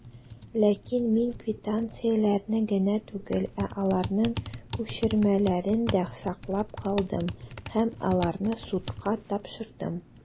Ләкин мин квитанцияләрне генә түгел, ә аларның күчермәләрен дә саклап калдым, һәм аларны судка тапшырдым.